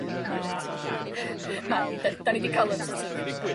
ma' ma'... 'D- 'dyn ni 'di ca'l 'yn so't of